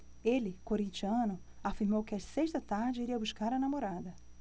ele corintiano afirmou que às seis da tarde iria buscar a namorada